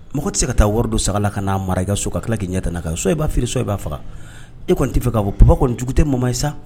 Mɔgɔ tɛ se ka taa wari don sagala kaa marakɛ so ka tila'i ɲɛ kan so i'airi i b'a faga e kɔni tɛ fɛ k'a fɔ baba kɔnijugu tɛ ma ma ye sa